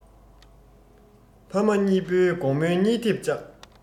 ཕ མ གཉིས པོའི དགོང མོའི གཉིད ཐེབས བཅག